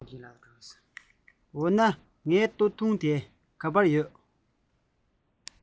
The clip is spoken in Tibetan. འོ ན ངའི གོས ཐུང དེ ག པར ཡོད